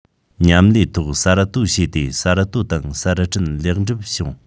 མཉམ ལས ཐོག གསར གཏོད བྱས ཏེ གསར གཏོད དང གསར སྐྲུན ལེགས འགྲུབ བྱུང